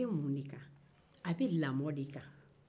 a bɛ mun de kan a bɛ lamɔ de kan